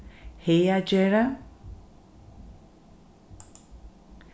hagagerði